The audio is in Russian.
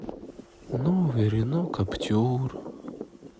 новый рено каптюр